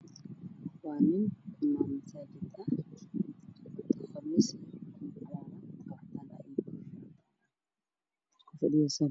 Waxaa ii muuqda masaajid masaajidka midabkiisu waa caddeys waxaana ku tukanahay hal nin wuxuuna ku tukanayaa salli